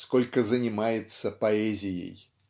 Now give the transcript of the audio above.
сколько занимается поэзией.